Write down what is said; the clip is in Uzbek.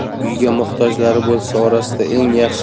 uyga muhtojlari bo'lsa orasida eng yaxshi